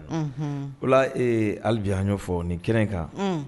Unhun, ola ee hali bi an y'o fɔ ni kɛnɛ in kan